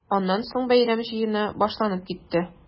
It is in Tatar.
Аннан соң бәйрәм җыены башланып китте.